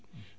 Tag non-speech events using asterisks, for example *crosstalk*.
*hesitation*